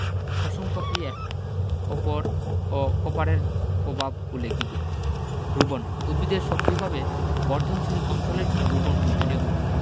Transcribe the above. শ্বসন পক্রিয়ার উপরও কপারের প্ভাব উল্লেখযোগ্য রোবন উদ্ভিদের সক্রিয়ভাবে বর্ধনশীল অঞ্চলের জন্য রোবন প্রয়োজনীয়